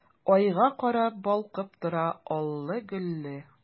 Айга карап балкып тора аллы-гөлле!